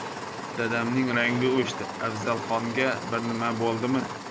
dadamning rangi o'chdi afzalxonga bir nima bo'ldimi